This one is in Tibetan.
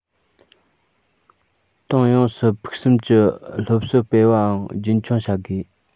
ཏང ཡོངས སུ ཕུགས བསམ གྱི སློབ གསོ སྤེལ བའང རྒྱུན འཁྱོངས བྱ དགོས